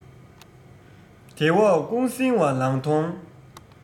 དེ འོག ཀོང སྲིང བ ལང དོང